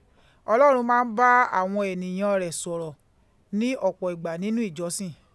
Ọlọ́run má ń báa wọn ènìyàn Rẹ̀ sọ̀rọ̀ ní ọ̀pọ̀ ìgbà nínú ìjọ́sìn.